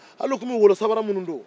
hali u tun bɛ golosamara minnu don